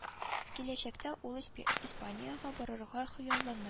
Киләчәктә ул испаниягә барырга хыяллана